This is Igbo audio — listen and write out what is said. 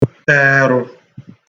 tẹ̀ ẹru